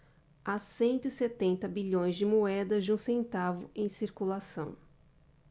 há cento e setenta bilhões de moedas de um centavo em circulação